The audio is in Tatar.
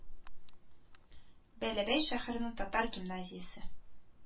Бәләбәй шәһәренең татар гимназиясе